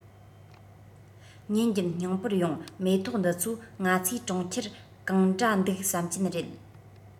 ཉིན རྒྱུན སྙིང པོར ཡོང མེ ཏོག འདི ཚོ ང ཚོས གྲོང ཁྱེར གང འདྲ འདུག བསམ གྱིན རེད